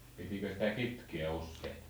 pitikö sitä kitkeä usein